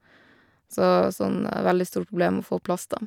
Så var sånn veldig stort problem å få plass, da.